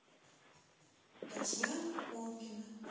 татьяна конкина